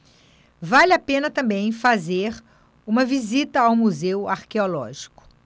vale a pena também fazer uma visita ao museu arqueológico